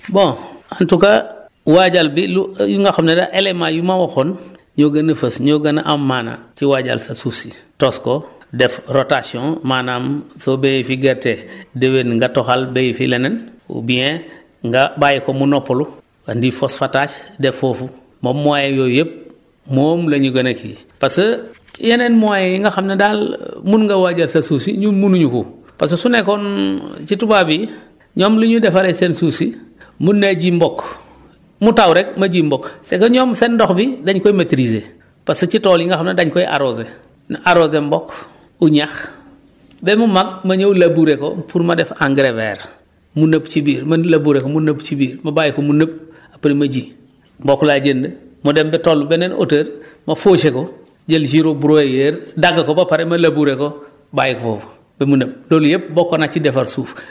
bon en tout cas waajal bi lu yi nga xam ne daal éléments yu ma waxoon énoo gën a fës ñoo gën a am maanaa ci waajal suuf si tos ko def rotation maanaam soo béyee fii gerte déwén nga toxal béy fi leneen oubien nga bàyyi ko mu noppalu andi phosphatage def foofu moom moyens yooyu yëpp moom la ñu gën a kii parce que yeneen moyens yi nga xam ne daal mun nga waajal sa suuf si ñun munuñu ko parce que su nekkoon ci tubaab yi ñoom lu ñu defaree seen suuf si mun na ji mboq mu taw rek ma ji mboq c' est que ñoom seen ndox bi dañ ko maîtriser parce que ci tool yi nga xam ne dañ koy arroser na arroser mboq ou ñax be mu màgg ma énëw labourer ko pour ma def engrais vert mu nëb ci biir man labourer ko mu nëb ci biir ma bàyyi ko mu nëb après ma ji mboq laay jënd mu dem ba toll beneen hauteur ma faucher ko jël gyrobroyeur dagg ko ba pare ma labourer ko bàyyi foofu ba mu nëb loolu yëpp bokk na ci defar suuf